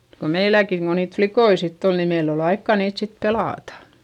kun meilläkin kun niitä likkoja sitten oli niin meillä oli aikaa niitä sitten pelata